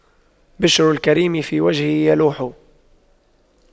بِشْرُ الكريم في وجهه يلوح